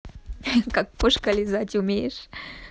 как кошка лизать умеешь